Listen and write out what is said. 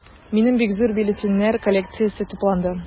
Минем бик зур бюллетеньнәр коллекциясе тупланды.